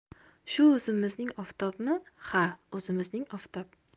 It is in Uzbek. shu o'zimizning oftobmi ha o'zimizning oftob